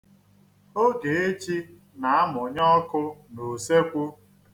Ogechi na-amụnye ọkụ n'usekwu.